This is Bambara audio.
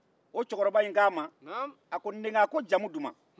o cɛkɔrɔba in ko a ma a ko n denkɛ a ko jamu duman